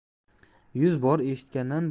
yuz bor eshitgandan